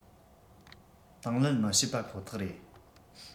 དང ལེན མི བྱེད པ ཁོ ཐག རེད